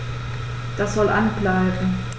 Das soll an bleiben.